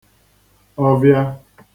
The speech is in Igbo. ọvịa